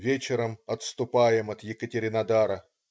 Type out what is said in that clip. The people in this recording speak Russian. Вечером отступаем от Екатеринодара".